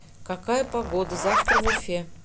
какая погода завтра в уфе